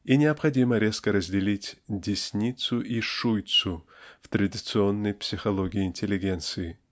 И необходимо резко разделить "десницу" и "шуйцу" в традиционной психологии интеллигенции.